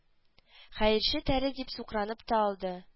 Хәерче тәре дип сукранып та алды